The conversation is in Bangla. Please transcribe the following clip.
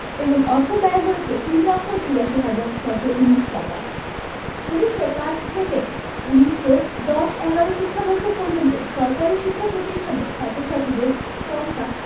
এবং অর্থব্যয় হয়েছে ৩ লক্ষ ৮৩ হাজার ৬১৯ টাকা ১৯০৫ থেকে ১৯১০ ১১ শিক্ষাবর্ষ পর্যন্ত সরকারি শিক্ষা প্রতিষ্ঠানের ছাত্র ছাত্রীদের সংখ্যা